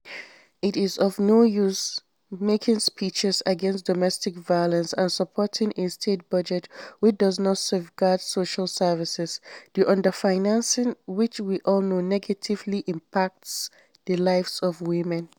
It is no use making speeches against domestic violence and supporting a state budget which does not safeguard social services, the underfinancing of which we all know negatively impacts the lives of women.